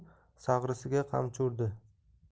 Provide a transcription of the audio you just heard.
bo'shatdi yu sag'risiga qamchi urdi